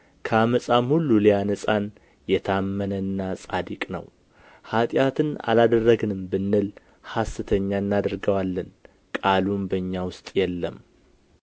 ከዓመፃም ሁሉ ሊያነጻን የታመነና ጻድቅ ነው ኃጢአትን አላደረግንም ብንል ሐሰተኛ እናደርገዋለን ቃሉም በእኛ ውስጥ የለም